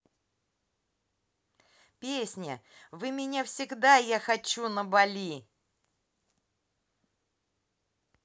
песня вы меня всегда я хочу на бали